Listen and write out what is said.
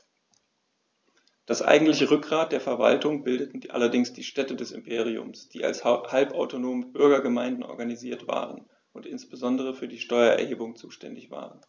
Das eigentliche Rückgrat der Verwaltung bildeten allerdings die Städte des Imperiums, die als halbautonome Bürgergemeinden organisiert waren und insbesondere für die Steuererhebung zuständig waren.